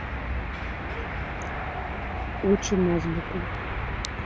учим азбуку